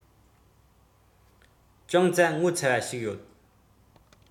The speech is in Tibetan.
ཅུང ཙ ངོ ཚ བ ཞིག ཡོད